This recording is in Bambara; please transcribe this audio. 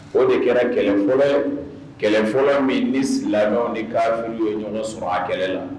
O de kɛra kɛlɛ fɔlɔ ye, kɛlɛ fɔlɔ min ni Silamɛw ni kaafir ye ɲɔgɔn sɔrɔ a kɛlɛ la.